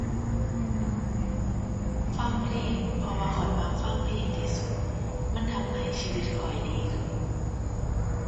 ฟังเพลง เพราะว่าข้อยมักฟังเพลงที่สุด มันทำให้ชีวิตข้อยดีขึ้น